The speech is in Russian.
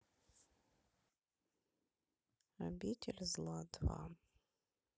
обитель зла два